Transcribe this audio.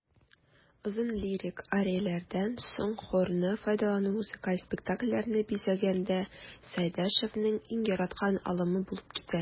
Озын лирик арияләрдән соң хорны файдалану музыкаль спектакльләрне бизәгәндә Сәйдәшевнең иң яраткан алымы булып китә.